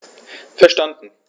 Verstanden.